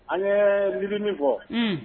An ye mimi bɔ